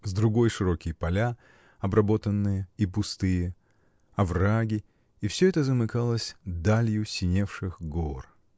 с другой — широкие поля, обработанные и пустые, овраги, и всё это замыкалось далью синевших гор.